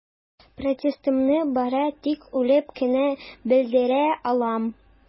Протестымны бары тик үлеп кенә белдерә алам.